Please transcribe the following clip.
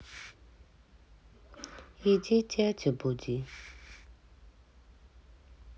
иди тятю буди